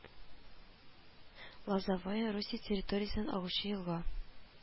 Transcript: Лозовая Русия территориясеннән агучы елга